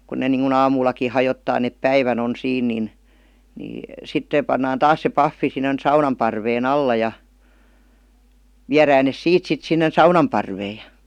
kun ne niin kuin aamullakin hajottaa ne päivän on siinä niin niin sitten se pannaan taas se pahvi sinne saunan parven alla ja viedään ne siitä sitten sinne saunan parveen ja